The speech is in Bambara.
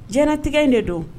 Jɛnɛtigɛ in de don